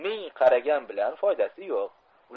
ming qaragan bilan foydasi yo'q